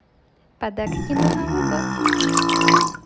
подарки на новый год